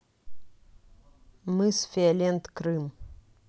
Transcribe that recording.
мыс фиолент крым